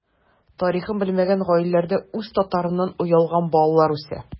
Тарихын белмәгән гаиләләрдә үз татарыннан оялган балалар үсә.